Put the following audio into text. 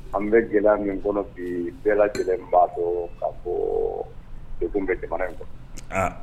An bɛ gɛlɛya min kɔnɔ bi, bɛɛ lajɛlen b'a dɔn ka fɔ degun bɛ jamana in kɔnɔ. An